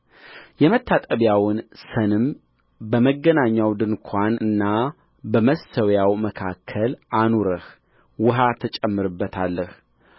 የመታጠቢያውን ሰንም በመገናኛው ድንኳንና በመሠዊያው መካከል አኑረህ ውኃ ትጨምርበታለህ